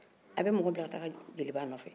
a bɛ mɔgɔ bila ka taa jeliba nɔfɛ